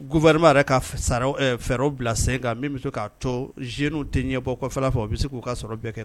Guwarinma yɛrɛ ka fɛw bila sen kan n bɛ bɛ se k'a to zenw tɛ ɲɛ bɔ kɔ fɔ o u bɛ se k'u ka sɔrɔ bɛɛ kɛ